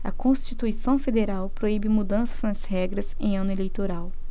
a constituição federal proíbe mudanças nas regras em ano eleitoral